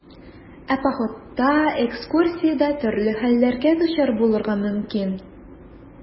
Ә походта, экскурсиядә төрле хәлләргә дучар булырга мөмкин.